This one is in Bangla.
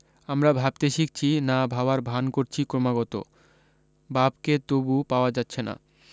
আমরা ভাবতে শিখছি না ভাবার ভান করছি ক্রমাগত বাবকে তবু পাওয়া যাচ্ছে না